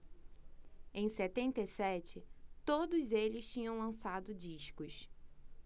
em setenta e sete todos eles tinham lançado discos